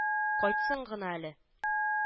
Кайтсын гына әле